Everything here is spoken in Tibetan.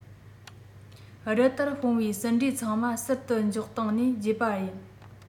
རི ལྟར སྤུངས བའི ཟིན བྲིས ཚང མ ཟུར དུ འཇོག སྟེང ནས བརྗེད པ ཡིན